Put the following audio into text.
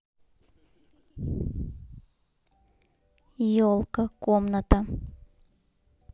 елка комната